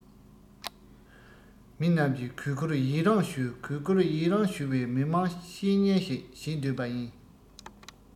མི རྣམས ཀྱིས གུས བཀུར ཡིད རང ཞུ གུས བཀུར ཡིད རང ཞུ བའི མི དམངས བཤེས གཉེན ཞིག བྱེད འདོད པ ཡིན